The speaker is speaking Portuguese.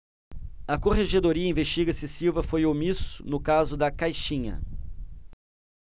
a corregedoria investiga se silva foi omisso no caso da caixinha